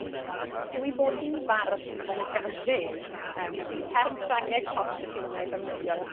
yw ei bod hi'n fardd engage yym felly term Ffrangeg posh i chi fana i defnyddio,